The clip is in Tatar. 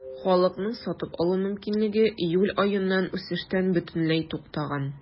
Халыкның сатып алу мөмкинлеге июль аеннан үсештән бөтенләй туктаган.